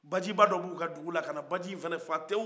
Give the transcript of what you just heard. bajiba dɔ b'o ka dugula kana baji in fana fa tew